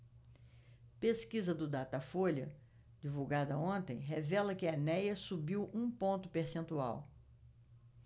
pesquisa do datafolha divulgada ontem revela que enéas subiu um ponto percentual